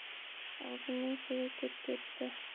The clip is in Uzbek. og'zimning suvi kep ketdi